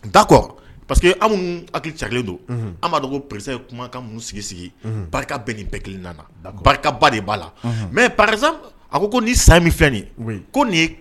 Hakili ca don b ka sigi sigi bɛ nin kelen nana barikaba de b'a la mɛ pa a ko ni sa min fɛn ye